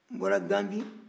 n bɔra ganbi